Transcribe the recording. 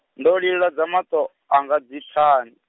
ndo liladza maṱo, anga dzithani.